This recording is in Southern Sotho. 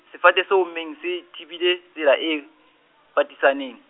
sefate se ommeng se thibile tsela e, patisaneng.